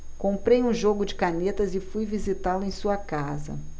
comprei um jogo de canetas e fui visitá-lo em sua casa